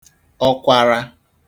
ọkwara